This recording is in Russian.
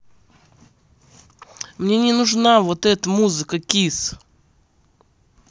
мне не нужна вот эта музыка kiss